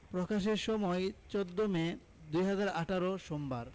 প্রকাশের সময় ১৪ মে ২০১৮ সোমবার